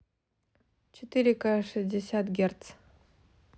четыре ка шестьдесят герц